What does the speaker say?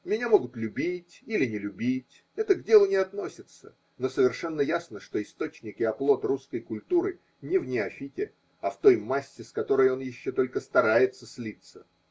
Меня могут любить или не любить, это к делу не относится: но совершенно ясно, что источник и оплот русской культуры не в неофите, а в той массе, с которой он еще только старается слиться.